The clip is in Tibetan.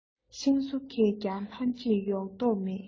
ཤིང བཟོ མཁས ཀྱང ལྷ བྲིས ཡོང མདོག མེད